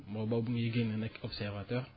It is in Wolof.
mooy boobu ñuy génn nekk observateur